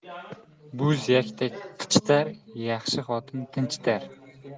bo'z yaktak qichitar yaxshi xotin tinchitar